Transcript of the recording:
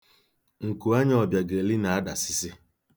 Nkuanya Ọbịageli na-adasịsị.